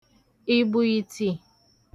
Ị bụ iti?